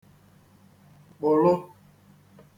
kpụ̀lụ